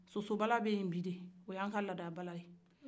soso bala bɛ ye de o y'a ka ladala bala ye